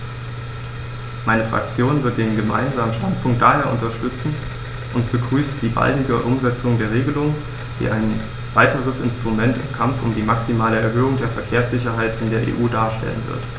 Meine Fraktion wird den Gemeinsamen Standpunkt daher unterstützen und begrüßt die baldige Umsetzung der Regelung, die ein weiteres Instrument im Kampf um die maximale Erhöhung der Verkehrssicherheit in der EU darstellen wird.